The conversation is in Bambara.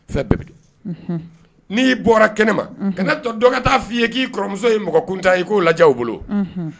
N''i bɔra kɛnɛ ma dɔgɔ taa f' i ye k'i kɔrɔmuso ye mɔgɔ kun ta i k'o lajɛw bolo